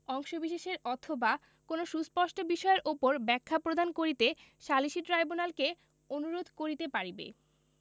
অংশবিশেষের অথবা কোন সুস্পষ্ট বিষয়ের উপর ব্যাখ্যা প্রদান করিতে সালিসী ট্রাইব্যুনালকে অনুরোধ করিতে পারিবে